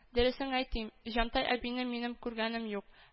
Дөресен әйтим, Җантай әбине минем күргәнем юк